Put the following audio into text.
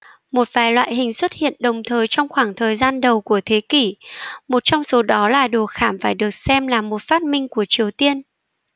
một vài loại hình xuất hiện đồng thời trong khoảng thời gian đầu của thế kỷ một trong số đó là đồ khảm phải được xem là một phát minh của triều tiên